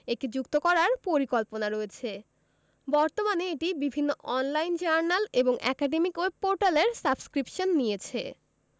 একে যুক্ত করার পরিকল্পনা রয়েছে বর্তমানে এটি বিভিন্ন অন লাইন জার্নাল এবং একাডেমিক ওয়েব পোর্টালের সাবস্ক্রিপশান নিয়েছে